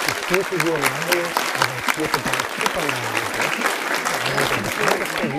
Spielfigur Mario avancierte dank Super Mario Bros. zu einem der bekanntesten